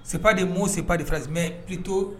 Sep de mɔ sep derasime pto